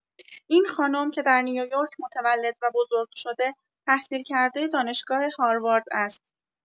این خانم که در نیویورک متولد و بزرگ‌شده، تحصیلکرده دانشگاه هاروارد است